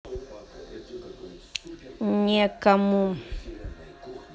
некому